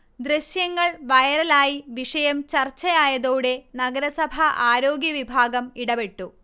ദൃശ്യങ്ങൾ വൈറലായി വിഷയം ചർച്ചയായതോടെ നഗരസഭാ ആരോഗ്യവിഭാഗം ഇടപെട്ടു